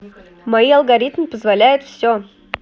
мои алгоритмы позволяют все